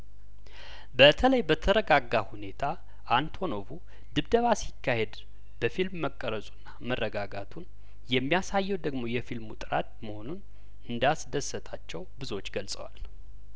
በተለይ በተረጋጋ ሁኔታ አንቶኖቩ ድብደባ ሲካሄድ በፊልም መቀረጹና መረጋጋቱን የሚያሳየው ደግሞ የፊልሙ ጥራት መሆኑን እንዳስ ደሰታቸው ብዙዎች ገልጸዋል